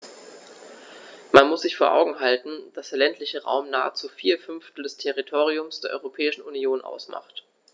Man muss sich vor Augen halten, dass der ländliche Raum nahezu vier Fünftel des Territoriums der Europäischen Union ausmacht.